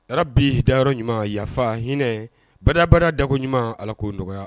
Da bida yɔrɔ ɲuman yafa hinɛ ba barika dako ɲuman ala ko n nɔgɔya